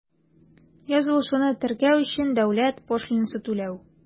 Язылышуны теркәү өчен дәүләт пошлинасын түләү.